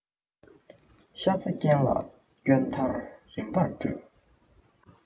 ཤ ཚ ཅན ལ སྐྱོང མཐར རིམ པར སྤྲོད